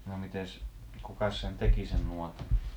no mitenkäs kukas sen teki sen nuotan